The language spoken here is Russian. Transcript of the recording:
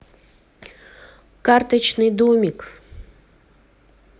карточный домик